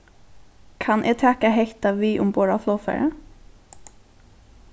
kann eg taka hetta við umborð á flogfarið